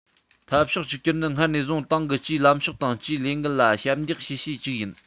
འཐབ ཕྱོགས གཅིག གྱུར ནི སྔར ནས བཟུང ཏང གི སྤྱིའི ལམ ཕྱོགས དང སྤྱིའི ལས འགན ལ ཞབས འདེགས ཞུ བྱེད ཅིག ཡིན